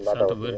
na nga def